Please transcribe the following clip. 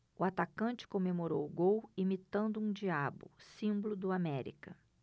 o atacante comemorou o gol imitando um diabo símbolo do américa